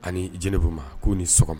Ani jinɛ' ma k'u ni sɔgɔma